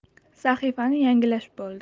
sahifani yangilash bo'ldi